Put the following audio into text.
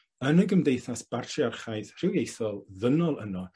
Yn y gymdeithas bartriarchaidd rhywiaethol ddynol yno